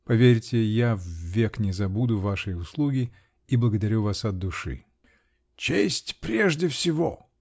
Поверьте, я в век не забуду вашей услуги и благодарю вас от души. -- Честь прежде всего!